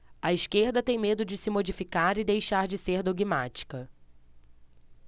a esquerda tem medo de se modificar e deixar de ser dogmática